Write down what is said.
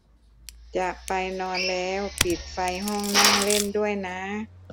จะไปนอนแล้วปิดไฟห้องนั่งเล่นด้วยนะ